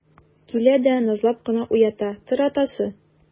Килә дә назлап кына уята: - Тор, атасы!